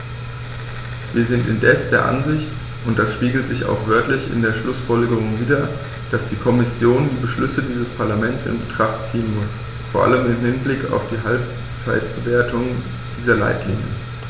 Wir sind indes der Ansicht und das spiegelt sich auch wörtlich in den Schlussfolgerungen wider, dass die Kommission die Beschlüsse dieses Parlaments in Betracht ziehen muss, vor allem im Hinblick auf die Halbzeitbewertung dieser Leitlinien.